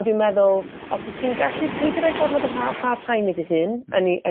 dwi'n meddw os wti'n gallu peidio roi gormod o hard time i dy hun yn, yn